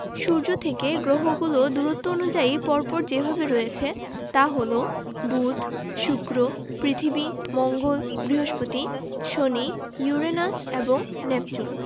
সূর্য থেকে গ্রহগুলো দূরত্ব অনুযায়ী পর পর যেভাবে রয়েছে তা হলো বুধ শুক্র পৃথিবী মঙ্গল বৃহস্পতি শনি ইউরেনাস এবং নেপচুন